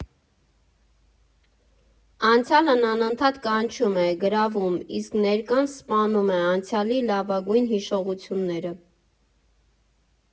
Անցյալն անընդհատ կանչում է, գրավում, իսկ ներկան սպանում է անցյալի լավագույն հիշողությունները։